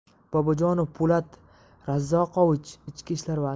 bobojonov po'lat razzoqovich ichki ishlar vaziri